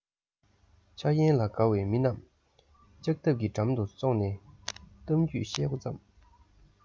འཆར ཡན ལ དགའ བའི མི རྣམས ལྕགས ཐབ གྱི འགྲམ དུ ཙོག ནས གཏམ རྒྱུད བཤད མགོ བརྩམས